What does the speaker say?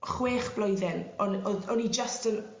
chwech blwyddyn on' o'dd o'n i jyst yn